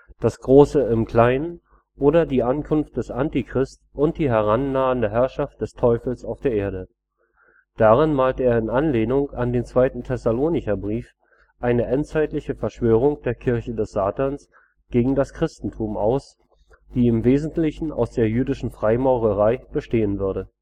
Das Große im Kleinen, oder die Ankunft des Antichrist und die herannahende Herrschaft des Teufels auf der Erde. Darin malte er in Anlehnung an den 2. Thessalonicherbrief eine endzeitliche Verschwörung der „ Kirche des Satans “gegen das Christentum aus, die im Wesentlichen aus der „ jüdischen Freimaurerei “bestehen würde